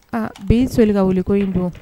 A bi solikawuliko in dun